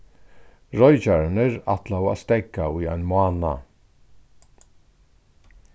roykjararnir ætlaðu at steðga í ein mánað